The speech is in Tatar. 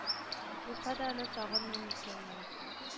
Булса да аны сагынмыймы икәнни